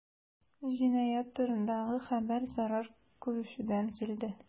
Җинаять турындагы хәбәр зарар күрүчедән килде.